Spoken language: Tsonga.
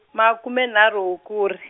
makume nharhu Hukuri.